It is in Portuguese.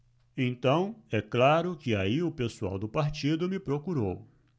então é claro que aí o pessoal do partido me procurou